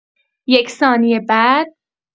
یک ثانیه بعد